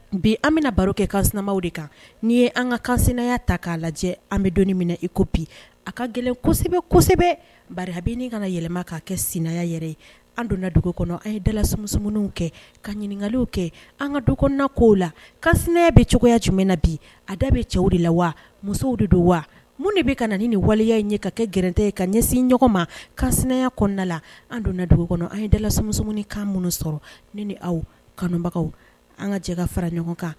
Bi an bɛna baro kɛ ka sinama de kan ni ye an ka ka sinanya ta k'a lajɛ an bɛ dɔnni minɛ i ko bi a ka gɛlɛn kosɛbɛ kosɛbɛ bara ka kana yɛlɛma ka kɛ sinan yɛrɛ ye an donna dugu kɔnɔ an ye dalaumm kɛ ka ɲininkakaliw kɛ an ka du kɔnɔ kow la ka sɛnɛ bɛ cogoya jumɛn na bi a da bɛ cɛw de la wa musow de don wa minnu de bɛ ka na ni waleya in ɲɛ ka kɛ gɛrɛte ye ka ɲɛsin ɲɔgɔn ma ka sinan kɔnɔna la an donna dugu kɔnɔ an ye dalaumuni kan minnu sɔrɔ ne ni aw kanubagaw an ka jɛ ka fara ɲɔgɔn kan